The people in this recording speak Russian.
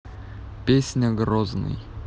песня грозный